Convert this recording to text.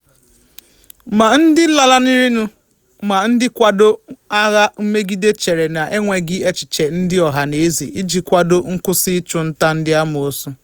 Ma ndị lanarịrịnụ ma ndị nkwado agha mmegide chere na enweghị echiche ndị ọhanaeze iji kwado nkwụsị ịchụnta ndị amoosu.